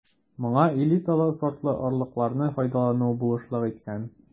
Моңа элиталы сортлы орлыкларны файдалану булышлык иткән.